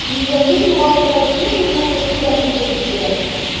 Милләтнең югалтырдай иң зур нәрсәсен дә үзе дип белә.